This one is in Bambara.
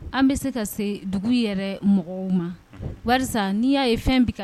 An bɛ se ka see dugu yɛrɛ mɔgɔw ma barisa n'i y'a ye fɛn bɛ ka